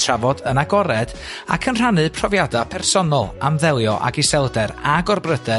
trafod yn agored ac yn rhannu profiada' personol am ddelio ag iselder a gorbryder